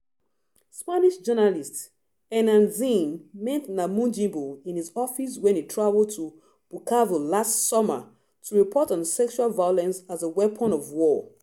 Spanish journalist Hernán Zin met Namujimbo in his office when he traveled to Bukavu last summer to report on sexual violence as a weapon of war.